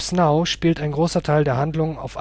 Now spielt ein grosser Teil der Handlung auf